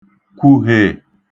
kwùhè